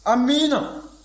amiina